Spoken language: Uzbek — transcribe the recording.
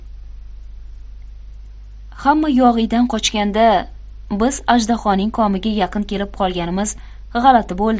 hamma yog'iydan qochganda biz ajdahoning komiga yaqin kelib qolganimiz g'alati bo'ldi